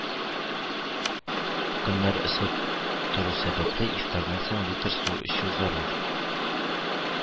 Көннәр эссе тору сәбәпле, ифтардан соң литр су эчү зарур